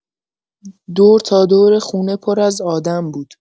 دور تا دور خونه پر از آدم بود.